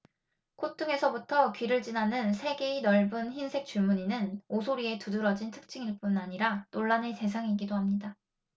콧등에서부터 귀를 지나는 세 개의 넓은 흰색 줄무늬는 오소리의 두드러진 특징일 뿐 아니라 논란의 대상이기도 합니다